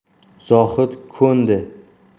zohid ko'ndi